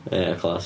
Ia, class.